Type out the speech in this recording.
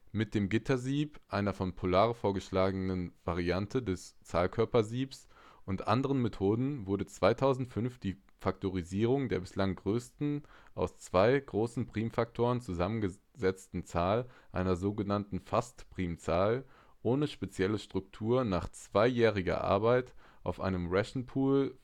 Mit dem Gittersieb (einer von Pollard vorgeschlagenen Variante des Zahlkörpersiebs) und anderen Methoden wurde 2005 die Faktorisierung der bislang größten aus zwei großen Primfaktoren zusammengesetzten Zahl (einer sogenannten Fastprimzahl) ohne spezielle Struktur nach zweijähriger Arbeit auf einem Rechnerpool